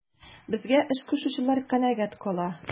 Безгә эш кушучылар канәгать кала.